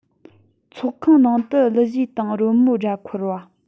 ཚོགས ཁང ནང དུ གླུ གཞས དང རོལ མོའི སྒྲ འཁོར བ